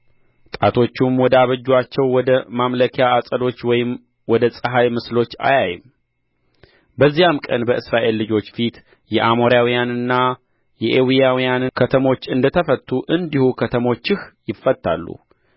ጣቶቹም ወደ አበጁአቸው ወደ ማምለኪያ ዐፀዶች ወይም ወደ ፀሐይ ምስሎች አያይም በዚያም ቀን በእስራኤል ልጆች ፊት የአሞራውያንና የኤውያውያን ከተሞች እንደ ተፈቱ እንዲሁ ከተሞችህ ይፈታሉ